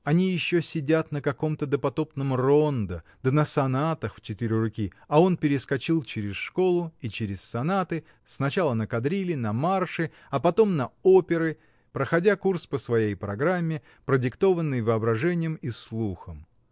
Они еще сидят на каком-то допотопном рондо да на сонатах в четыре руки, а он перескочил через школу и через сонаты, сначала на кадрили, на марши, а потом на оперы, проходя курс по своей программе, продиктованной воображением и слухом.